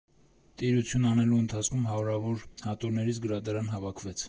Տիրություն անելու ընթացքում հարյուրավոր հատորներից գրադարան հավաքեց։